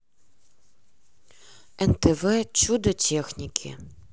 нтв чудо техники